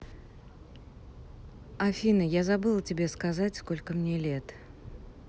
афина я забыла тебе сказать сколько мне лет